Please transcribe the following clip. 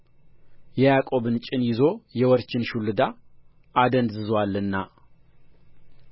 የያዕቆብን ጭን ይዞ የወርችን ሹልዳ አደንዝዞአልና